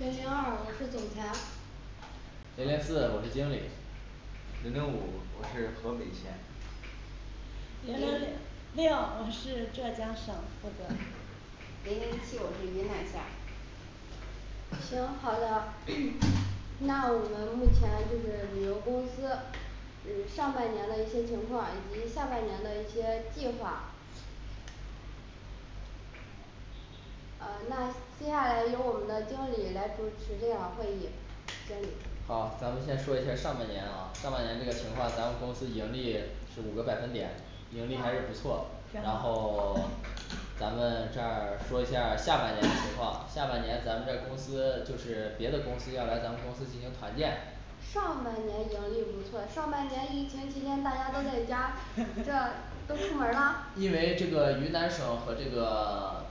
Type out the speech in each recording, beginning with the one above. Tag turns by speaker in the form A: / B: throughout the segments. A: 零零二我是总裁
B: 零零四我是经理
C: 零零五我是河北线
D: 零零
E: 零
D: 六我是浙江省负责
E: 零零七我是云南线儿
A: 行好的。 那我们目前就是旅游公司嗯上半年的一些情况以及下半年的一些计划呃那接下来由我们的经理来主持这场会议。经理
B: 好，咱们先说一下儿上半年啊上半年这个情况，咱们公司盈利是五个百分点盈利还是不错，
D: 挺
B: 然
D: 好
B: 后 咱们这儿说一下儿下半年的 情况，下半年咱们这公司就是别的公司要来咱们公司进行团建
A: 上半年盈利不错，上半年疫情期间大家都在家，这 都出门了，
B: 因为这个云南省和这个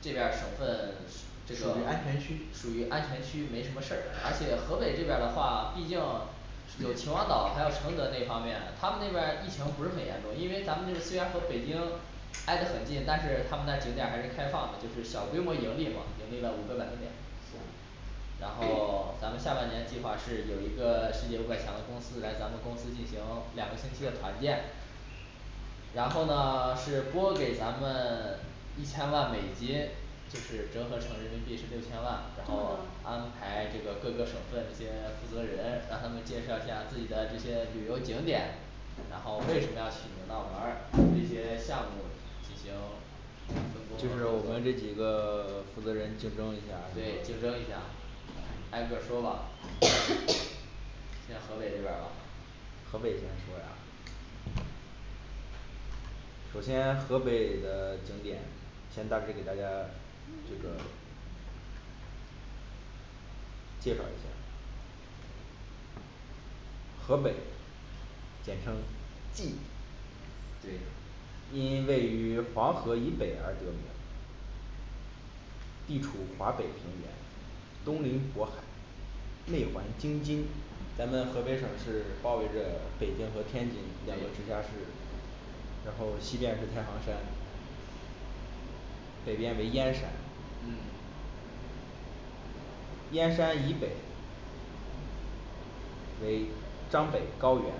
B: 这边儿省份 这个
C: 属
B: 属
C: 于安全区
B: 于安全区没什么事儿，而且河北这边儿的话毕竟有秦皇岛，还有承德那方面，他们那边儿疫情不是很严重，因为咱们这儿虽然和北京挨得很近，但是他们那儿景点儿还是开放的，就是小规模盈利嘛盈利了五个百分点。然后 咱们下半年计划是有一个世界五百强的公司来咱们公司进行两个星期的团建然后呢 是拨给咱们 一千万美金就是折合成人民币是六千万，然后安排这个各个省份这些负责人，让他们介绍一下自己的这些旅游景点然后为什么要去你们那儿玩儿这些项目进行
C: 就
B: 分
C: 是我
B: 工，
C: 们这几个 负责人竞争一下，
B: 对竞争一下。挨个儿说吧 先河北这边儿吧
C: 河北先说呀首先河北的景点先大致给大家这个介绍一下河北简称冀
B: 对，
C: 因位于黄河以北而得名地处华北平原，东临渤海内环京津，咱们河北省是包围着北京和天津两个直辖市然后西边是太行山，北边为燕山
B: 嗯
C: 燕山以北为张北高原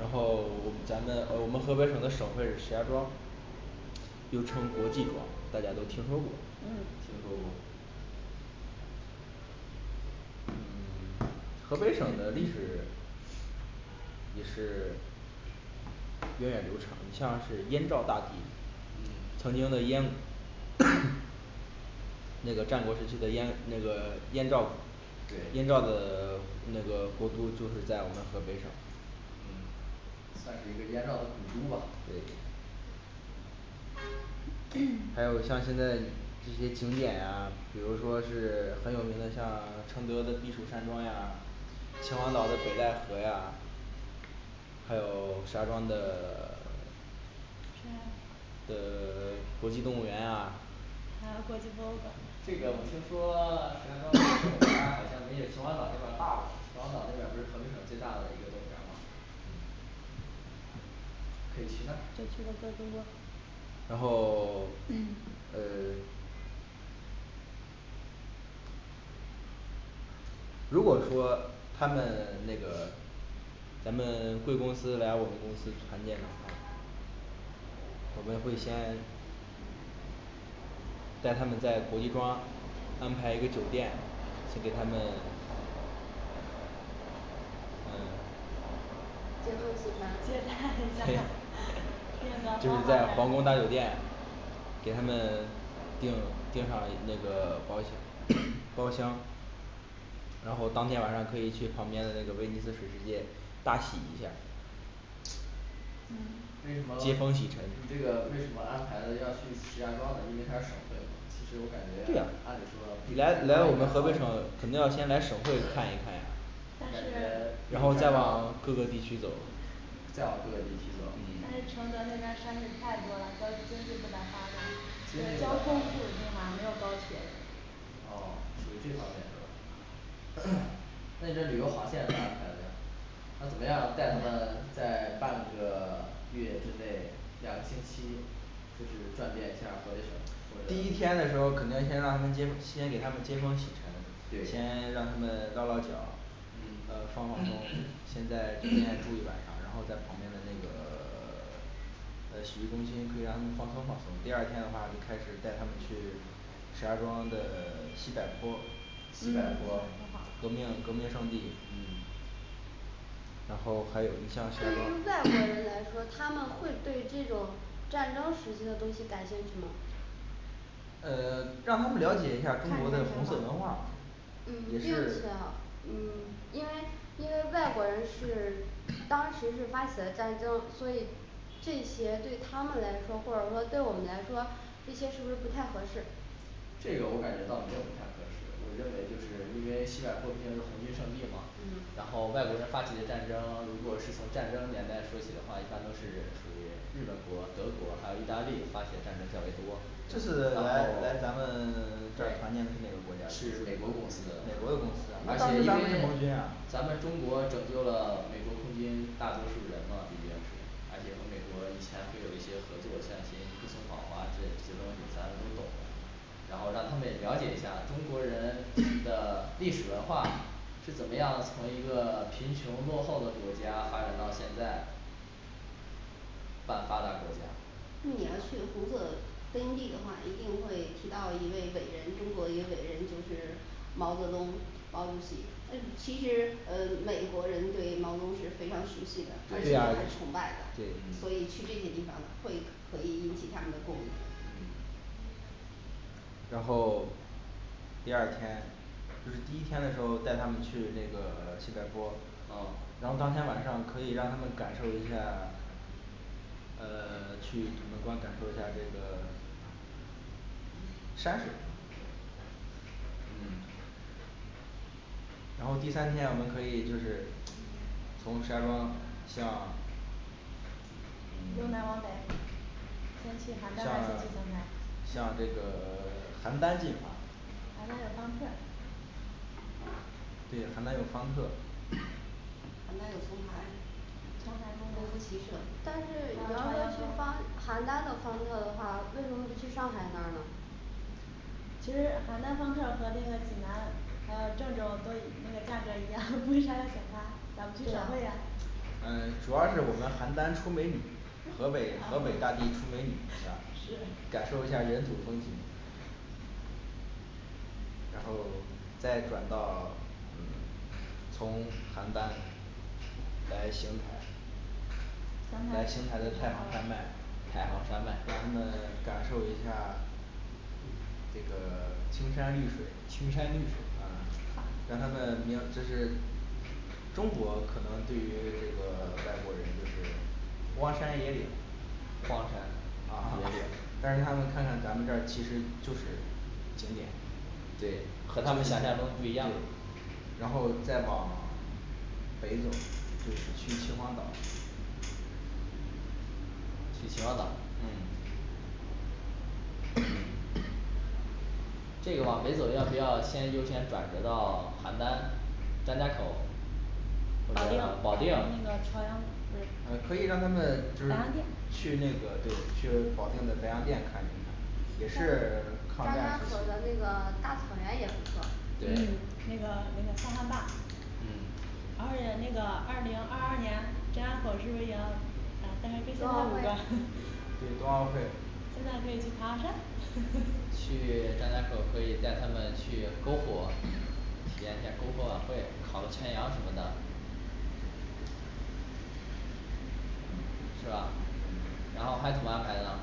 C: 然后咱们呃我们河北省的省会是石家庄，又称国际庄大家都听说过
B: 听
D: 嗯
B: 说过
C: 嗯 河北省的历史也是源远流长，你像是燕赵大地
B: 嗯
C: 曾经的燕国 那个战国时期的燕那个燕赵，
B: 对
C: 燕赵的 那个国都就是在我们河北省
B: 嗯
C: 算是一个燕赵的古都吧，
B: 对
C: 还有像现在这些景点呀，比如说是很有名的像承德的避暑山庄呀，秦皇岛的北戴河呀还有石家庄的 的 国际动物园呀
A: 还有国际博物馆，
B: 这个我听说 石家庄这个动物园儿好 像没有秦皇岛这边儿大吧，秦皇岛这边儿不是河北省最大的一个动物园儿吗
C: 然后 呃如果说他们 那个咱们贵公司来我们公司团建的话我们会先带他们在国际庄安排一个酒店，给他们嗯
D: 这太大， 订个
C: 就是在
D: 豪
C: 皇
D: 华
C: 宫大酒
D: 点儿
C: 店给他们订订上那个包 包厢然后当天晚上可以去旁边的那个威尼斯水世界大洗一下
D: 嗯
B: 为什么你
C: 接风洗尘
B: 这个为什么安排的要去石家庄呢？因为它是省会吗。其实我感觉
C: 对呀
B: 按理说
C: 你来来我们河北省肯定要先来省会看一看呀
B: 感
D: 但
B: 觉
D: 是
C: 然后再往各个地区走
B: 再往各个地区走，经
D: 但是
B: 济
C: 嗯
D: 承德那边儿山地太多了，交通经济
B: 不
D: 不
B: 发
D: 太发
B: 达
D: 达高空没有直达没有高铁
B: 哦就是这方面的。 那你这旅游航线怎么安排的 要怎么样带他们在半个月之内两个星期就是转遍一下河北省
C: 第一天的时候，肯定先让他们接，先给他们接风洗尘，
B: 对
C: 先让他们落落脚
B: 嗯
C: 呃放放松先在酒店住一晚上，然后在旁边的那个 呃洗浴中心可以让他们放松放松，第二天的话就开始带他们去石家庄的 西柏坡
D: 嗯西
B: 西柏
D: 柏坡
B: 坡
D: 好，
C: 革命革命圣地。
B: 嗯
C: 然后还有一项
A: 对于
C: 石家
A: 外国
C: 庄
A: 人来说他们会对这种战争时期的东西感兴趣吗？
C: 呃 让他们了解一下
D: 看
C: 中
D: 年
C: 国的红色文
D: 龄吧
C: 化
A: 嗯并且
C: 也是
A: 嗯 因为因为外国人是 当时是发起了战争，所以这些对他们来说或者说对我们来说，这些是不是不太合适？
B: 这个我感觉倒没有不太合适，我认为就是因为西柏坡毕竟是红军圣地嘛，
A: 嗯
B: 然后外国人发起的战争，如果是从战争年代说起的话，一般都是属于日本国、德国还有意大利发起战争较为多，
C: 这
B: 然后，
C: 次来来咱们 这儿团建的是哪个国家
B: 是？美
C: 美国
B: 国
C: 的公
B: 公司
C: 司呀
B: 因
C: 那
B: 为
C: 咱们
B: 咱们中国拯救了美国空军，大多数人嘛毕竟是而且和美国以前会有一些合作，像一些尼克松访华这些这些东西咱们都懂的然后让他们也了解一下中国人 的历史文化 是怎么样从一个贫穷落后的国家发展到现在半发达国家
E: 你要去红色根据地的话，一定会提到一位伟人，中国一位伟人就是毛泽东毛主席，嗯其实呃美国人对毛泽东是非常熟悉的，而且
C: 对
E: 是
C: 呀
E: 很崇拜的
B: 对，
E: 所以去这些地方会可以引起他们的共鸣。
B: 嗯
C: 然后第二天就是第一天的时候带他们去这个 西柏坡
B: 嗯，
C: 然后当天晚上可以让他们感受一下呃 去能够感受一下这个山水。
B: 嗯
C: 然后第三天我们可以就是从石家庄向嗯
D: 由南往北先去邯郸再
C: 向
D: 就去邢台
C: 向这个 邯郸进发
D: 邯郸有方特
C: 对呀，邯郸有方特
E: 邯郸有
D: 丛
E: 丛台
D: 台公，
E: 功
D: 园
E: 夫棋
D: 儿
E: 社
A: 但是你要说去方邯郸的方特的话，为什么不去上海那儿呢？
D: 其实邯郸方特儿和那个济南还有郑州都那个价格一样，为啥要选它，
E: 咱
D: 咋
E: 们
D: 不去
E: 去
D: 省
E: 省
D: 会
E: 会
D: 呀
E: 呀
C: 嗯主要是我们邯郸出美女河北河北大地出美女啊
D: 是，
C: 感受一下人土风情然后再转到从邯郸来邢台来邢
D: 邢
C: 台的
D: 台
C: 太行山脉。
B: 太行
C: 让
B: 山脉
C: 他们感受一下这个 青山
B: 青山绿
C: 绿
B: 水
C: 水，嗯让他们明就是中国可能对于 这个 外国人就是荒山野岭
B: 荒山
C: 啊再让他们看看咱们这儿其实就是景点。对
B: 对
C: 对，
B: 和他们想象中不一样。
C: 然后再往 北走就是去秦皇岛
B: 去秦皇岛
C: 嗯
B: 这个往北走要不要先优先转折到邯郸、张家口。呃
D: 保
B: 保
D: 定
B: 定
D: 那个朝阳不
C: 呃
D: 是，
C: 可以让他们就是
D: 白洋淀
C: 去那个对去保定的白洋淀看嗯也是 抗
A: 张
C: 战
A: 家
C: 时
A: 口的那
C: 期
A: 个大草原也不错。
E: 嗯
B: 对
D: 那个那个塞罕坝
B: 嗯
D: 而且那个二零二二年张家口是不也要啊但是跟现在
A: 冬奥会
D: 无关
C: 对冬奥会
D: 现在可以去唐山，
B: 去张家口可以带他们去篝火，体验一下儿篝火晚会，烤个全羊什么的，是
C: 嗯
B: 吧
C: 嗯？
B: 然后还怎么安排呢？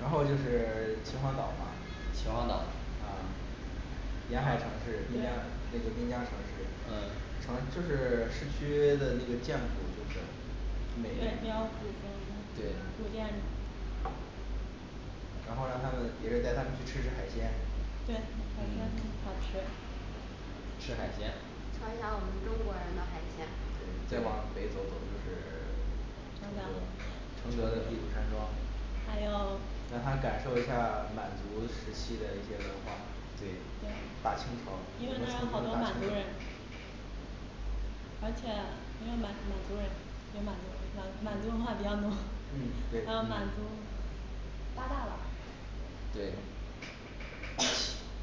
C: 然后就是 秦皇岛
B: 秦皇
C: 嘛
B: 岛，
C: 啊沿海城市
B: 嗯
C: 滨江那个滨江
B: 对
C: 城市
B: 嗯，
C: 城就是市区的那个建筑就是美
D: 滨
C: 丽
D: 江属于那种
C: 对
D: 古建筑
C: 然后让他们也是带他们去吃海鲜。
D: 对，海鲜
B: 嗯
D: 挺好吃
B: 吃海鲜，
A: 尝一下我们中国人的海鲜，
C: 对再往北走走就是
D: 承德还有， 行因为那儿有好
C: 承
D: 多
C: 德
D: 满族人
C: 承德的避暑山庄，让他感受一下满族时期的一些文化
B: 对，
C: 大清朝
D: 因为那儿有好多满族人而且没有满满族人没满族人满满族文化比较多
C: 嗯 对
D: 还有满族八大碗儿
C: 对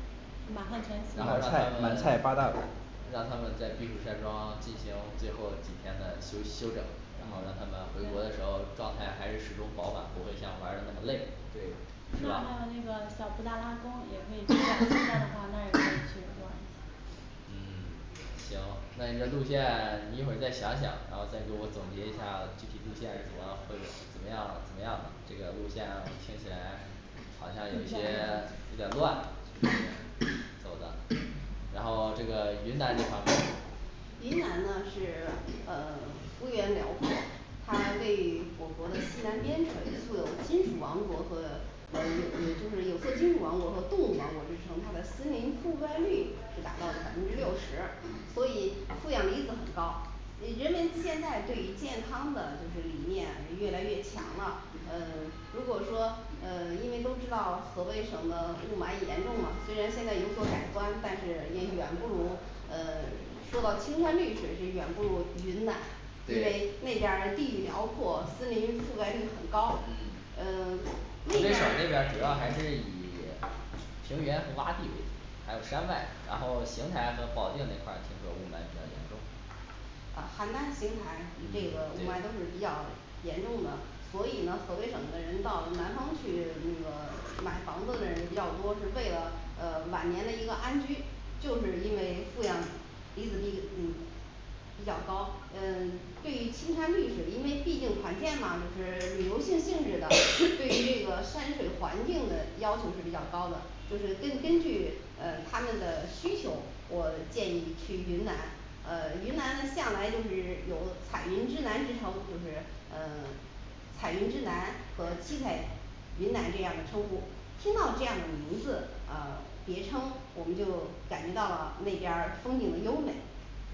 D: 满汉全席
B: 然后让他
C: 菜
B: 们
C: 菜八大碗儿
B: 让他们在避暑山庄进行最后几天的休息休整，然后让
C: 嗯
B: 他们回国的时候状态还是始终饱满，不会像玩儿得这么累。是
D: 那儿还有
B: 吧
D: 那个小布达拉宫也可以，那儿也可以去 逛一下儿
B: 嗯行那你的路线你一会儿再想想，然后再给我总结一下具体路线是什么？怎么样怎么样这个路线听起来好像有一些有点儿乱，走的
C: 。
B: 然后这个云南这块儿
E: 云南呢是 呃 幅员辽阔它位 于我国的西南边陲素有金属王国和呃有呃就是有色金属王国和动物王国之称，它的森林覆盖率是达到了百分之六十，所以负氧离子很高呃人们现在对于健康的就是理念越来越强了，嗯如果说呃因为都知道河北省的雾霾严重了，虽然现在有所改观，但是也远不如呃说到青山绿水是远不如云南因为
B: 对
E: 那边儿地域辽阔，森林覆盖率很高，嗯
B: 河
E: 那
B: 北
E: 边儿
B: 省这边儿主要还是以平原和洼地为主，还有山脉，然后邢台和保定这一块儿就是说雾霾比较严重
E: 呃邯郸、邢台这个雾霾都是比较严重的所以呢河北省的人到南方去那个买房子的人也比较多，是为了呃晚年的一个安居，就是因为负氧离子big嗯比较高嗯对于青山绿水，因为毕竟团建嘛就是旅游性性质的，对于这个山水环境的要求是比较高的，就是根根据呃他们的需求，我建议去云南呃云南向来就是有彩云之南之称，就是嗯彩云之南和七彩云南这样的称呼，听到这样的名字呃别称，我们就感觉到了那边儿风景的优美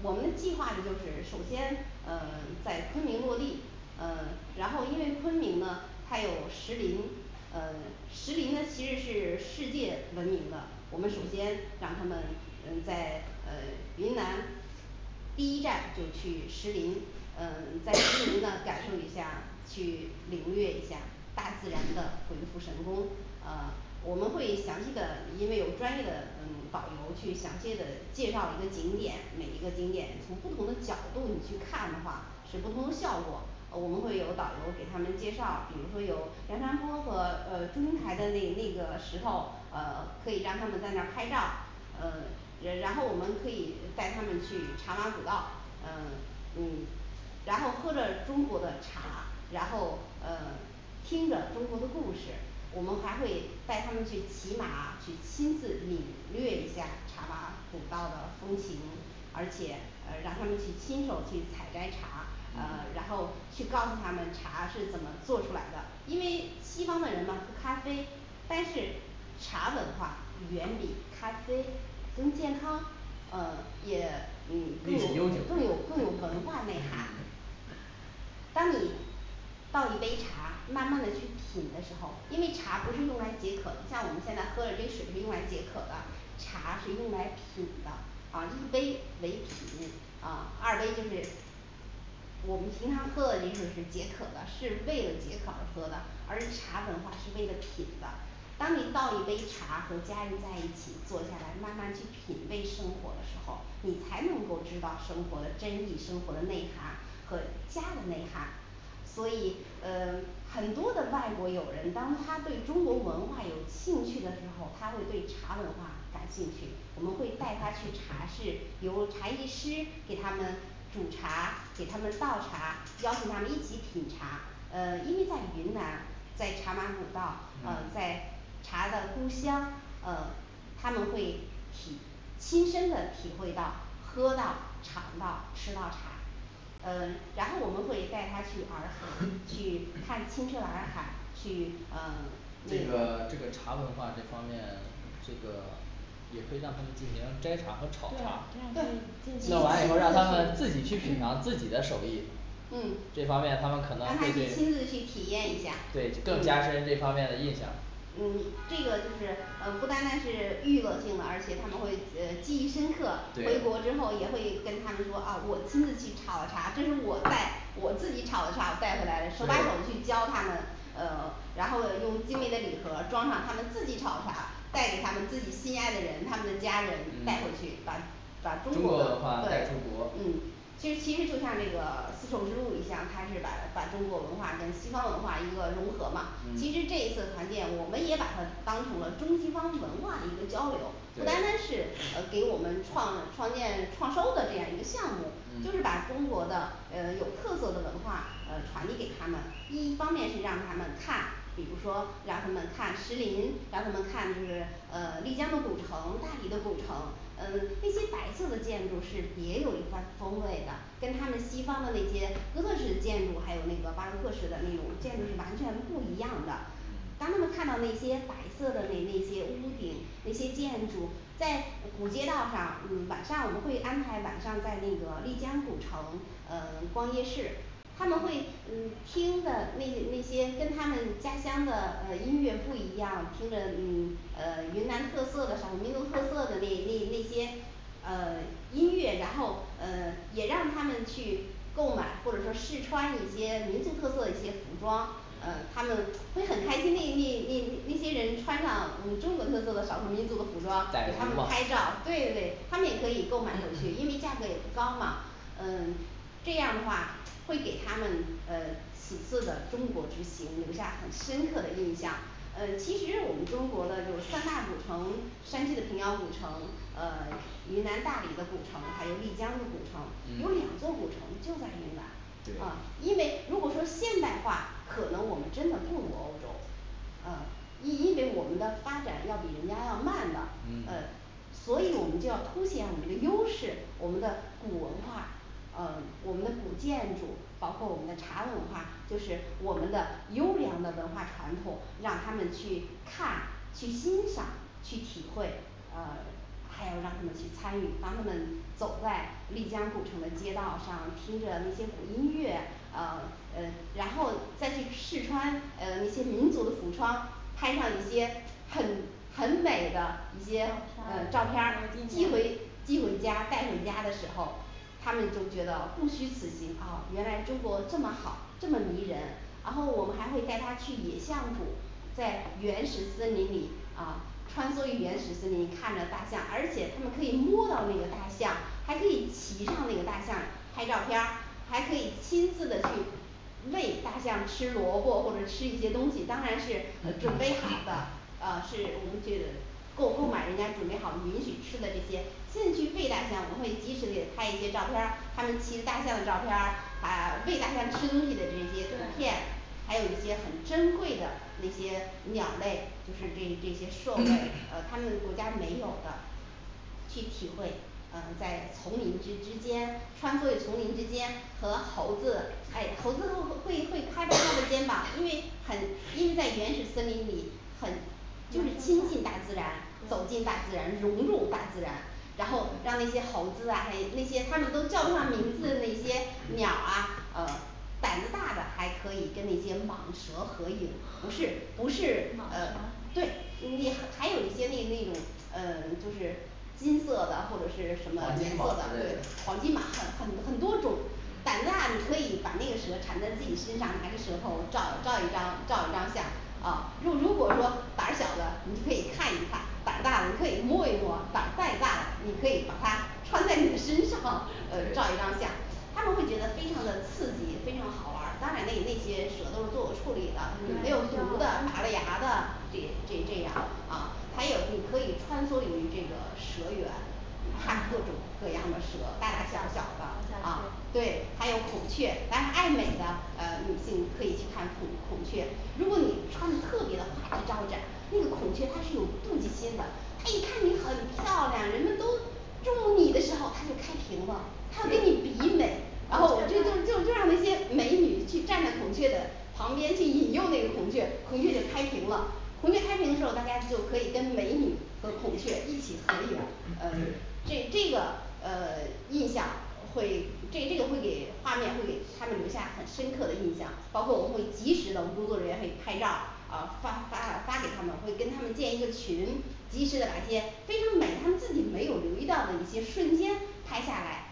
E: 我们的计划呢就是首先嗯在昆明落地，嗯然后因为昆明呢它有石林，呃石林呢其实是世界闻名的，我们首
B: 嗯
E: 先让他们嗯在呃云南第一站就去石林，嗯在石林呢感受一下，去领略一下大自然的鬼斧神工呃我们会详细的因为有专业的嗯导游去详细的介绍一个景点，每一个景点从不同的角度你去看的话是不同的效果呃我们会有导游给他们介绍，比如说有梁山泊和呃祝英台的那那个石头呃可以让他们在那儿拍照呃然后我们可以带他们去查马古道呃嗯然后喝着中国的茶，然后呃听着中国的故事，我们还会带他们去骑马，去亲自领略一下茶马古道的风情，而且呃让他们去亲手去采摘茶，呃然后去告诉他们茶是怎么做出来的，因为西方的人呢喝咖啡但是茶文化远比咖啡更健康，嗯也嗯更
B: 历
E: 有
B: 史悠久
E: 更有更有文化内涵。
B: 嗯
E: 当你倒一杯茶慢慢的去品的时候，因为茶不是用来解渴的，像我们现在喝的这水是用来解渴的，茶是用来品的，啊一杯为品，啊二杯就是我们平常喝的也就是解渴的，是为了解渴而喝的，而茶文化是为了品的当你倒一杯茶和家人在一起坐下来慢慢去品味生活的时候，你才能够知道生活的真意，生活的内涵和家的内涵所以嗯很多的外国友人当他对中国文化有兴趣的时候，他会对茶文化感兴趣，我们会带他去茶室由茶艺师给他们煮茶，给他们倒茶，邀请他咱们一起品茶，呃因为在云南在茶马古道，嗯在茶的故乡，呃他们会体亲身的体会到喝到尝到吃到茶呃然后我们会带他去洱海，去看清澈的洱海，去嗯
B: 这
E: 那
B: 个
E: 个
B: 这个茶文化这方面。这个也可以让他们进行摘茶和
D: 对这样
B: 炒茶
E: 对
D: 可
E: 去
D: 以，
B: 弄完
D: 进
B: 以后让他们自己
E: 亲自去
B: 去品尝自己的手艺。
E: 嗯让他去
B: 这方面他们可能会对
E: 亲自去体验一下，，
B: 对更
E: 嗯
B: 加深这方面的印象
E: 嗯这个就是呃不单单是娱乐性的，而且他们会呃记忆深刻，回
B: 对
E: 国之后也会跟他们说啊我亲自去炒的茶，这是我在我自己炒的茶带回来手把手
B: 对
E: 去教他们，呃然后呢用精美的礼盒装上他们自己炒的茶，带给他们自己心爱的人，他们的家人带回去把把
B: 中
E: 中
B: 国
E: 国
B: 文化带
E: 对
B: 出国
E: 嗯这其实就像那个丝绸之路你像他是把把中国文化跟西方文化一个融合嘛，其实这一
B: 嗯
E: 次团建我们也把它当成了中西方文化的一个交流，不单单
B: 对
E: 是呃给我们创创建创收的这样一个项目就是把中国的呃有特色的文化呃传递给他们，一方面是让他们看，比如说让他们看石林，让他们看就是呃丽江的古城，大理的古城嗯那些白色的建筑是别有一番风味的，跟他们西方的那些哥德式建筑，还有那个巴洛克式的那种建筑是完全不一样的当他们
B: 嗯
E: 看到那些白色的那那些屋顶，那些建筑，在古街道上嗯晚上我们会安排晚上在那个丽江古城嗯逛夜市，他们会嗯听的那那些跟他们家乡的呃音乐不一样，听着嗯 呃云南特色的少数民族特色的那那那些呃音乐，然后呃也让他们去购买或者说试穿一些民族特色的一些服装，呃他们会很开心那那那那些人穿上我们中国特色的少数民族的服装给他们拍照，对对他们也可以购买回去，因为价格也不高嘛嗯这样的话会给他们呃此次的中国之行留下很深刻的印象。 嗯其实我们中国的就三大古城，山西的平遥古城，呃云南大理的古城，还有丽江的古城，有两座
B: 嗯
E: 古城就在云南嗯
B: 对，
E: 因为如果说现代化，可能我们真的不如欧洲，呃因因为我们的发展要比人家要慢的呃
B: 嗯
E: 所以我们就要凸显我们的优势，我们的古文化，呃我们的古建筑，包括我们的茶文化，就是我们的优良的文化传统，让他们去看、去欣赏去体会呃还要让他们去参与，当他们走在丽江古城的街道上，听着那些古音乐，嗯呃然后再去试穿呃那些民族的服装，拍上一些很很美的一些
D: 照
E: 照
D: 片
E: 片
D: 儿
E: 儿
D: 留个纪
E: 寄回
D: 念
E: 寄回家带回家的时候他们就觉得不虚此行，啊原来中国这么好这么迷人，然后我们还会带他去野象谷在原始森林里啊穿梭于原始森林，看着大象，而且他们可以摸到那个大象，还可以骑上那个大象拍照片儿，还可以亲自的去喂大象吃萝卜或者吃一些东西，当然是准备好的，啊是我们觉得够购买人家准备好的允许吃的这些进去喂大象我们会及时给他拍一些照片儿他们骑着大象的照片儿，他喂大象吃东西的这些图
D: 对
E: 片还有一些很珍贵的那些鸟类，就是这这些兽类呃他们国家没有的去体会嗯在丛林之之间穿梭于丛林之间和猴子哎猴子会会会会拍拍他的肩膀，因为很因为在原始森林里很就是亲近大自然，走进大自然，融入大自然，然后让那些猴子啊还有那些他们都叫不上名字的那些鸟啊呃胆子大的还可以跟那些蟒蛇合影，不是不是
D: 蟒
E: 呃
D: 蛇
E: 对你还有一些那那种呃就是金色的或者是什么
B: 黄
E: 颜
B: 金
E: 色
B: 蟒
E: 的，
B: 之类
E: 对黄
B: 的
E: 金蟒很很多种胆子大你可以把那个蛇缠在自己身上，拿着蛇头照照一张照一张相，啊如如果说胆儿小的你就可以看一看，胆大的你可以摸一摸，胆儿再大的你可以把它穿在你的身上， 呃照一
B: 对
E: 张相，他们会觉得非常的刺激，非常好玩儿，当然那那些蛇都是做过处理
D: 对必须
E: 的，没
D: 要安
E: 有
A: 嗯
E: 毒的，拔了牙的
D: 全，
E: 这这这样，啊还有你可以穿梭于这个蛇园看各种各样的蛇，大大小小的，啊对，还有孔雀，咱还爱美的呃女性可以去看孔孔雀，如果你穿得特别的花枝招展，那个孔雀它是有妒忌心的。 它一看你很漂亮，人们都注意你的时候，它就开屏了，它要跟你比美，然后就就就让那些美女去站在孔雀的旁边去引诱那个孔雀，孔雀就开屏了，孔雀开屏的时候，大家就可以跟美女和孔雀一起合影，呃
B: 对
E: 这这个呃印象会这个这个会给画面会给他们留下很深刻的印象，包括我们会及时的我们工作人员会拍照哦发发发给他们，会跟他们建一个群及时的把一些非常美的他们自己没有留意到的一些瞬间拍下来